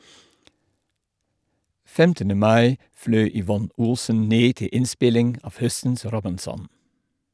15. mai fløy Yvonne Olsen ned til innspilling av høstens "Robinson".